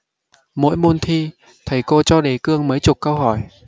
mỗi môn thi thầy cô cho đề cương mấy chục câu hỏi